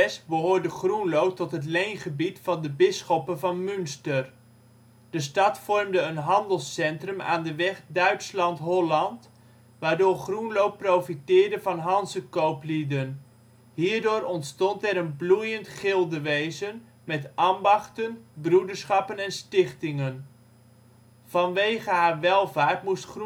Sinds 1406 behoorde Groenlo tot het leengebied van de bisschoppen van Münster. De stad vormde een handelscentrum aan de weg Duitsland - Holland, waardoor Groenlo profiteerde van Hanzekooplieden. Hierdoor ontstond er een bloeiend gildewezen, met ambachten, broederschappen en stichtingen. Vanwege haar welvaart moest